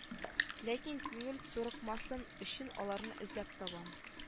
Ләкин күңел сурыкмасын өчен аларны эзләп табам